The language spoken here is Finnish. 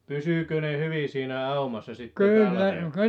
pysyikö ne hyvin siinä aumassa sitten ne aineet